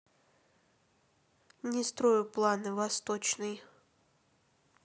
не строю планы восточный